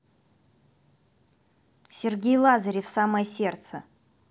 сергей лазарев самое сердце